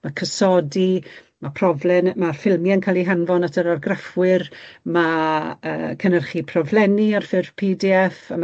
ma'r cysodi ma' proflen ma ffilmie'n ca'l eu hanfon at yr argraffwyr ma' yy cynyrchu proflenni ar ffurf pee dee eff, a